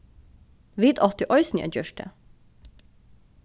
vit áttu eisini at gjørt tað